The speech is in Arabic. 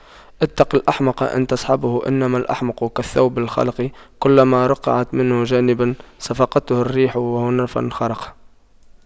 اتق الأحمق أن تصحبه إنما الأحمق كالثوب الخلق كلما رقعت منه جانبا صفقته الريح وهنا فانخرق